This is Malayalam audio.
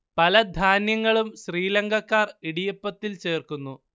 പല ധാന്യങ്ങളും ശ്രീലങ്കക്കാർ ഇടിയപ്പത്തിൽ ചേർക്കുന്നു